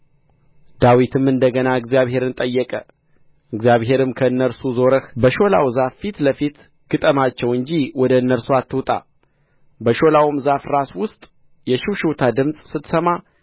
ዳዊትም እንደ ገና እግዚአብሔርን ጠየቀ እግዚአብሔርም ከእነርሱ ዞረህ በሾላው ዛፍ ፊት ለፊት ግጠማቸው እንጂ ወደ እነርሱ አትውጣ በሾላውም ዛፍ እራስ ውስጥ የሽውሽውታ ድምፅ ስትሰማ